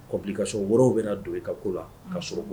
Kɔbili kasɔrɔ woro bɛ don i ka ko la ka so